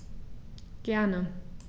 Gerne.